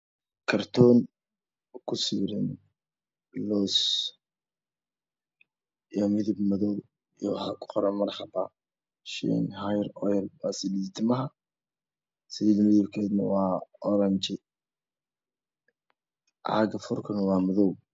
Kartoon kusawiran loos miyo midap madow waxa ku qoran marxapa waa saliida timaha Salida midapkeedu waa oranji caaga furkana wa madow